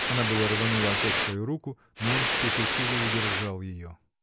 Она было рванула опять свою руку, но он с тихой силой удержал ее.